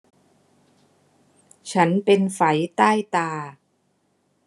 ฉันเป็นไฝใต้ตา